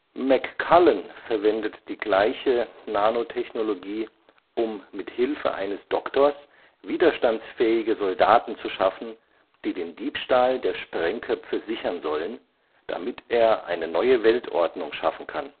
McCullen verwendet dieselbe Nanotechnologie, um mit Hilfe eines Doktors widerstandsfähige Soldaten zu schaffen, die den Diebstahl der Sprengköpfe sichern sollen, damit er eine neue Weltordnung schaffen kann